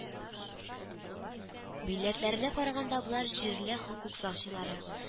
Милләтләренә караганда, болар җирле хокук сакчылары